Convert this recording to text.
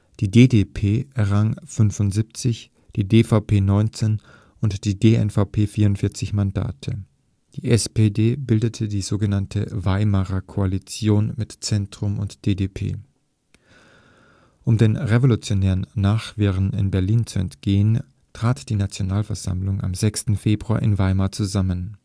Die DDP errang 75, die DVP 19 und die DNVP 44 Mandate. Die SPD bildete die sogenannte Weimarer Koalition mit Zentrum und DDP. Um den revolutionären Nachwirren in Berlin zu entgehen, trat die Nationalversammlung am 6. Februar in Weimar zusammen